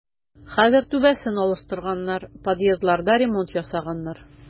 Хәзер түбәсен алыштырганнар, подъездларда ремонт ясаганнар.